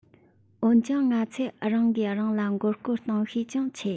འོན ཀྱང ང ཚོས རང གིས རང ལ མགོ སྐོར གཏོང ཤས ཀྱང ཆེ